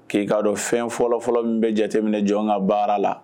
K'i'a dɔn fɛn fɔlɔfɔlɔ min bɛ jateminɛ jɔn ka baara la